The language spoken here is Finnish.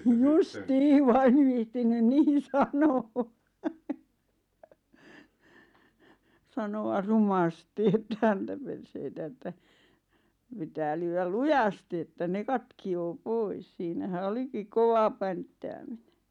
justiin vaan en viitsinyt niin sanoa sanoa rumasti että häntäperseitä että pitää lyödä lujasti että ne katkeaa pois siinähän olikin kova pänttääminen